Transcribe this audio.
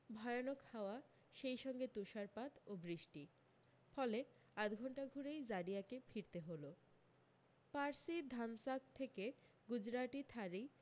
ভয়ানক হাওয়া সেইসঙ্গে তুষারপাত ও বৃষ্টি ফলে আধঘন্টা ঘুরেই জাডিয়াক এ ফিরতে হল পারসী ধান্সাক থেকে গুজরাতী থালি